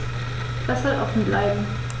Das soll offen bleiben.